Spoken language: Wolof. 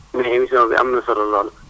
mais émission bi am na solo lool